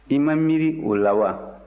i ma miiri o la wa